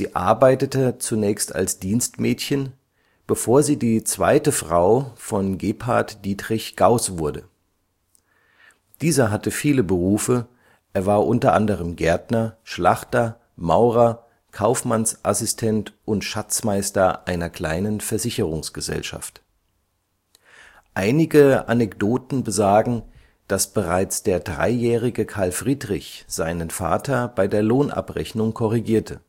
arbeitete zunächst als Dienstmädchen, bevor sie die zweite Frau von Gebhard Dietrich Gauß wurde. Dieser hatte viele Berufe, er war unter anderem Gärtner, Schlachter, Maurer, Kaufmannsassistent und Schatzmeister einer kleinen Versicherungsgesellschaft. Einige Anekdoten besagen, dass bereits der dreijährige Carl Friedrich seinen Vater bei der Lohnabrechnung korrigierte